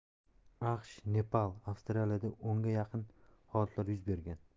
aqsh nepal avstraliyada o'nga yaqin holatlar yuz bergan